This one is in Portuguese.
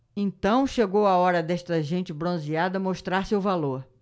então chegou a hora desta gente bronzeada mostrar seu valor